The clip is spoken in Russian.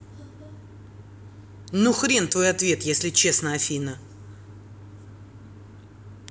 ну хрен твой ответ если честно афина